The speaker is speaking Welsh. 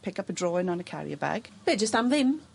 pick up a drawing on a carrier bag. Be jyst am ddim?